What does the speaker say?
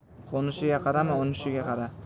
qo'nishiga qarama unishiga qara